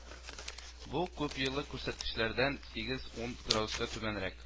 Бу күпьеллык күрсәткечләрдән сигез -ун градуска түбәнрәк